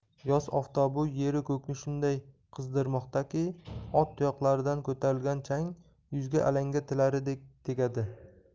yoz oftobi yeru ko'kni shunday qizdirmoqdaki ot tuyoqlaridan ko'tarilgan chang yuzga alanga tillaridek tegadi